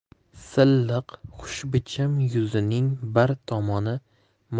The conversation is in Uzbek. silliq xushbichim yuzining bir tomoni